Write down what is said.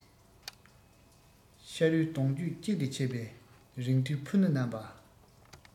ཤ རུས གདོང རྒྱུད གཅིག ལས ཆད པའི རིགས མཐུན ཕུ ནུ རྣམས པ